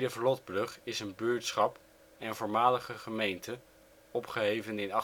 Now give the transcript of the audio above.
Vlotbrug is een buurtschap en voormalige gemeente (opgeheven in